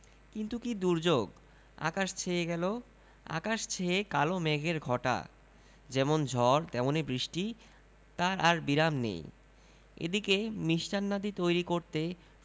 কিন্তু কি দুর্যোগ আকাশ ছেয়ে কালো মেঘের ঘটা যেমন ঝড় তেমনি বৃষ্টি তার আর বিরাম নেই এদিকে মিষ্টান্নাদি তৈরি করতে